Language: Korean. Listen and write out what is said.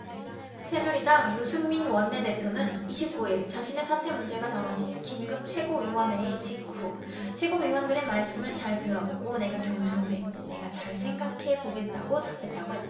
새누리당 유승민 원내대표는 이십 구 일 자신의 사퇴 문제가 다뤄진 긴급 최고위원회의 직후 최고위원들의 말씀을 잘 들었고 내가 경청을 했고 내가 잘 생각해 보겠다고 답했다고 했다